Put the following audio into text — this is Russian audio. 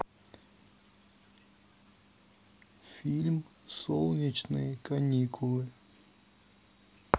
фильм солнечные каникулы